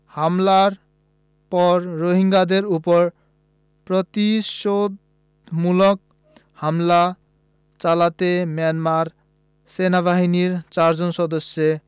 হামলার পর রোহিঙ্গাদের ওপর প্রতিশোধমূলক হামলা চালাতে মিয়ানমার সেনাবাহিনীর চারজন সদস্য